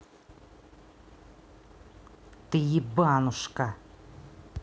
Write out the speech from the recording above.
ты ебанушка